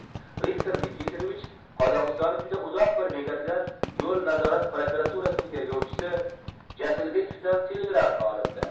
viktor nikiforovich qozog'istonning juda uzoq bir bekatidan yo'l nazorat prokuraturasining tergovchisi jaslibekovdan telegramma olibdi